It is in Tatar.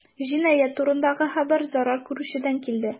Җинаять турындагы хәбәр зарар күрүчедән килде.